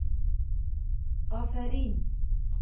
Афәрин!